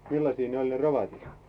Millasii ne oĺ ne rovatit?